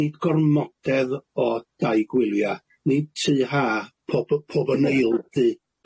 nid gormodedd o dai gwylia' nid ty ha pob y- pob yn eil-dy